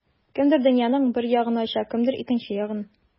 Кемдер дөньяның бер ягын ача, кемдер икенче ягын.